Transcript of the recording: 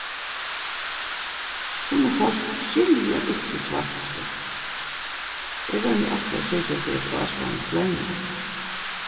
summi fólk skilja ikki svart skemt eg royni altíð at syrgja fyri at áskoðararnir flenna